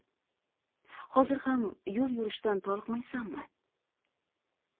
hozir ham yo'l yurishdan toliqmaysanmi